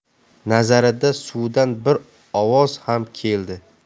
nazarida suvdan bir ovoz ham keldi